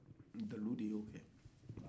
dalu de y'o kɛ